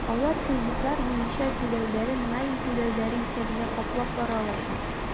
Алар кредитлар буенча түләүләрен найм түләүләре исәбенә каплап бара алачак.